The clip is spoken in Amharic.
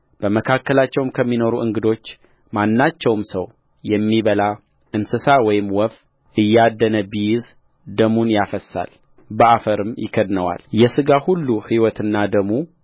በመካከላችሁም ከሚኖሩ እንግዶች ማንም ደምን አይበላም አልሁከእስራኤልም ልጆች በመካከላቸውም ከሚኖሩ እንግዶች ማናቸውም ሰው የሚበላ እንስሳ ወይም ወፍ እያደነ ቢይዝ ደሙን ያፈስሳል በአፈርም ይከድነዋልየሥጋ ሁሉ ሕይወትና ደሙ